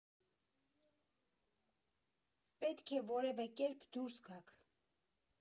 Պետք է որևէ կերպ դուրս գաք։